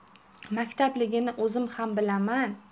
maktabligini o'zim ham bilaman